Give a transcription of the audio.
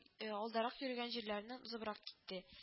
Э алдарак йөрегән җирләрне узыбырак китте